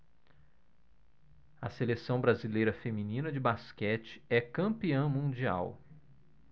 a seleção brasileira feminina de basquete é campeã mundial